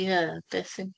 Ie, beth sy'n...?